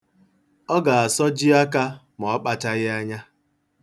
Ọ ga-asọji aka ma ọ kpachaghị anya.